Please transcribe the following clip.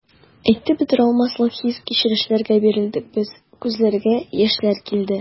Әйтеп бетерә алмаслык хис-кичерешләргә бирелдек без, күзләргә яшьләр килде.